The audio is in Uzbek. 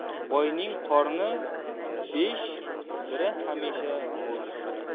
boyning qorni besh biri hamisha bo'sh